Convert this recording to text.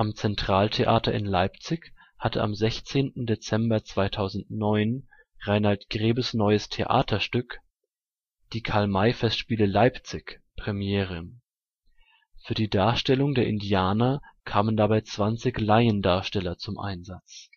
Centraltheater in Leipzig hatte am 16. Dezember 2009 Rainald Grebes neues Theaterstück Die Karl-May-Festspiele Leipzig Premiere. Für die Darstellung der Indianer kamen dabei 20 Laiendarsteller zum Einsatz